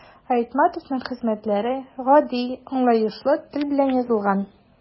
Айтматовның хезмәтләре гади, аңлаешлы тел белән язылган.